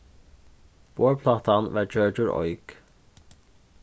borðplátan varð gjørd úr eik